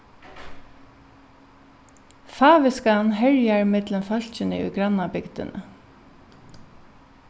fávitskan herjar millum fólkini í grannabygdini